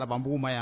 K ban bbugu ma yan